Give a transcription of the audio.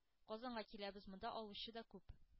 Казанга киләбез. Монда алучы да күп.